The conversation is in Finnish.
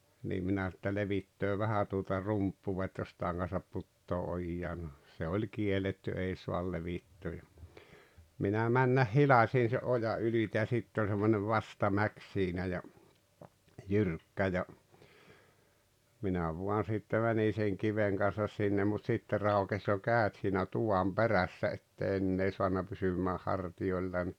niin minä sanoin että levittää vähän tuota rumpua et jos taan kanssa putoaa ojaan no se oli kielletty ei saa levittää ja minä mennä hilasin sen ojan yli ja sitten oli semmoinen vastamäki siinä ja jyrkkä ja minä vain sitten menin sen kiven kanssa sinne mutta sitten raukesi jo kädet siinä tuvan perässä että en enää saanut pysymään hartioilla